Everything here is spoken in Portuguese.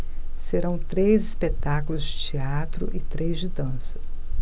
serão três espetáculos de teatro e três de dança